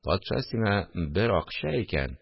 Патша сиңа бер акча икән